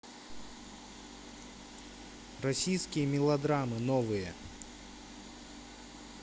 российские мелодрамы новые